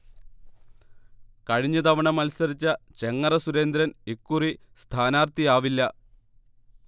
കഴിഞ്ഞതവണ മത്സരിച്ച ചെങ്ങറ സുരേന്ദ്രൻ ഇക്കുറി സ്ഥാനാർഥിയാവില്ല